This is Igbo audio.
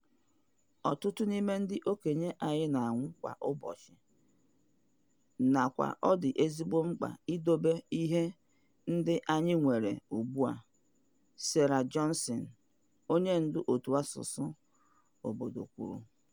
"Ọtụtụ n'ime ndị okenye anyị na-anwụ kwa ụbọchị, nakwa ọ dị ezigbo mkpa idobe ihe ndị anyị nwere ugbua," Sarah Johnson, onyendu Òtù asụsụ obodo kwuru.